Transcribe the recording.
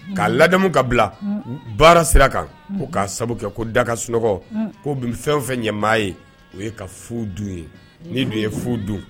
'a ladamu ka bila baara sira kan k'a sababu kɛ ko daka sunɔgɔ ko bɛ fɛn o fɛn ɲɛmaa ye o ye ka fu dun ye ni dun ye fu dun